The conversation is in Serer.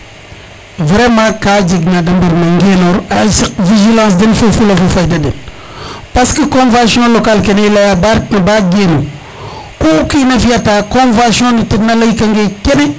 vraiment ka jeg nade mbarna ngenor a saq vigilence den fo fula fo fayda den parce que convention local kene i leya ba ret na ba genu ku kina fiya ta convention ne ten na ley kange